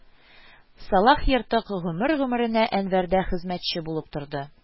Салах Ертык гомер-гомеренә Әнвәрдә хезмәтче булып торды